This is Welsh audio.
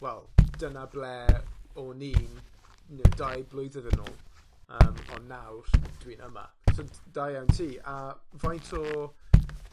wel, dyna ble o'n i'n you know dau blwyddyn yn nôl yym, ond nawr, dwi'n yma. So d- da iawn ti. A faint o